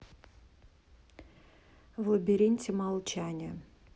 в лабиринте молчания